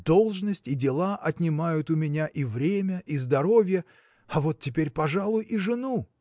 Должность и дела отнимают у меня и время, и здоровье. а вот теперь, пожалуй, и жену.